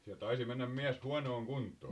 siellä taisi mennä mies huonoon kuntoon